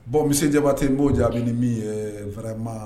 Bon misicɛba tɛ b'o jaabi ni min ye fɛrɛma